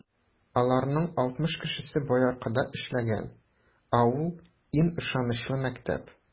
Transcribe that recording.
Аларның алтмыш кешесе Бояркада эшләгән, ә ул - иң ышанычлы мәктәп.